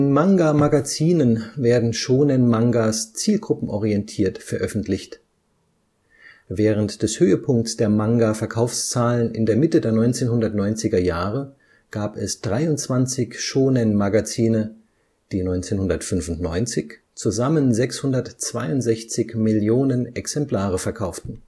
Manga-Magazinen werden Shōnen-Mangas zielgruppenorientiert veröffentlicht. Während des Höhepunkts der Manga-Verkaufszahlen in der Mitte der 1990er Jahre gab es 23 Shōnen-Magazine, die 1995 zusammen 662 Millionen Exemplare verkauften